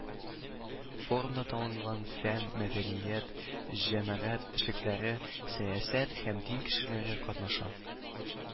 Форумда танылган фән, мәдәният, җәмәгать эшлекләре, сәясәт һәм дин кешеләре катнаша.